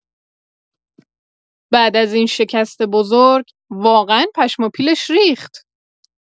بعد از این شکست بزرگ، واقعا پشم و پیلش ریخت.